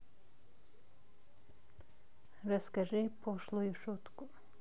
расскажи пошлую шутку